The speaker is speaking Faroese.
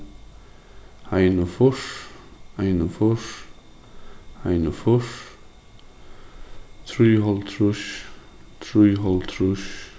einogfýrs einogfýrs einogfýrs trýoghálvtrýss trýoghálvtrýss